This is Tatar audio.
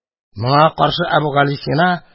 Моңа каршы Әбүгалисина